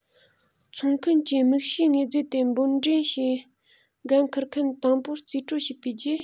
འཚོང མཁན གྱིས དམིགས བྱའི དངོས རྫས དེ དབོར འདྲེན བྱེད འགན འཁུར མཁན དང པོར རྩིས སྤྲོད བྱས པའི རྗེས